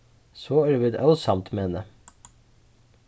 so eru vit ósamd meðni